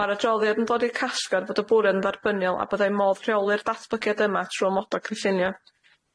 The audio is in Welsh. Ma'r adroddiad yn dod i'r casgar fod y bwr' yn dderbyniol a byddai modd rheoli'r datblygiad yma trw ymoda cynllunio.